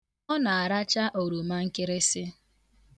Ọ na-aracha oromankịrịsị.